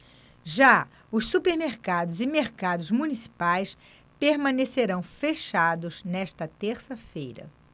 já os supermercados e mercados municipais permanecerão fechados nesta terça-feira